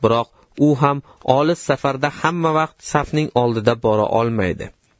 biroq u ham olis safarda hammavaqt safning oldida bora olmaydi